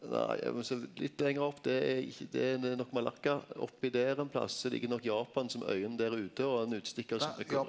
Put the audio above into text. nei eg må sjå litt lenger opp det er ikkje det oppi der ein plass så ligg nok Japan som øyene der ute og ein utstikkar .